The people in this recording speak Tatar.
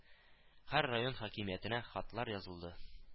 Һәр район хакимиятенә хатлар язылды